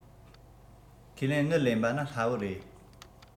ཁས ལེན དངུལ ལེན པ ནི སླ བོར རེད